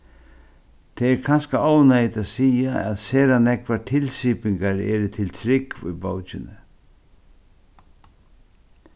tað er kanska óneyðugt at siga at sera nógvar tilsipingar eru til trúgv í bókini